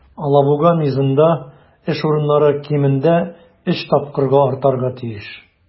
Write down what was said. "алабуга" мизында эш урыннары кимендә өч тапкырга артарга тиеш.